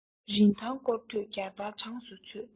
རིན ཐང སྐོར དུས བརྒྱ སྟར གྲངས སུ ཚུད